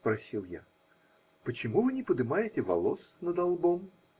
-- спросил я -- почему вы не подымаете волос надо лбом?